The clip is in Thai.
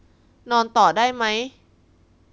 นอนต่อได้มั้ย